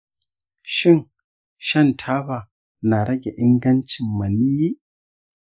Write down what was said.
shin shan taba na rage ingancin maniyyi?